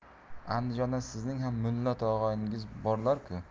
andijonda sizning ham mulla tog'oyingiz borlar ku